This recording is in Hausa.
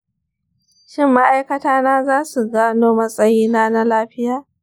shin ma'aikata na za su gano matsayina na lafiya?